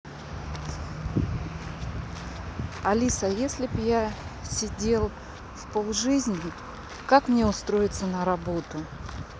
алиса если б я сидел в полжизни как мне устроиться на работу